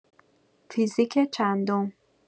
فیزیک چندم